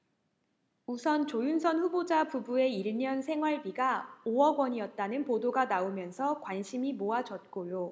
우선 조윤선 후보자 부부의 일 년 생활비가 오 억 원이었다는 보도가 나오면서 관심이 모아졌고요